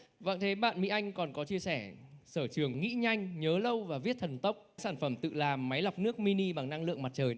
vầng thế bạn mỹ anh còn có chia sẻ sở trường nghĩ nhanh nhớ lâu và viết thần tốc sản phẩm tự làm máy lọc nước mi ni bằng năng lượng mặt trời